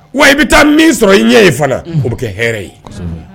Wa i bɛ taa min sɔrɔ i ɲɛ ye fana o bɛ kɛ hɛrɛ ye